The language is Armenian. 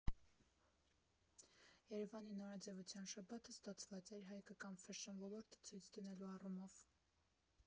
Երևանի նորաձևության շաբաթը ստացված էր՝ հայկական ֆեշըն ոլորտը ցույց դնելու առումով։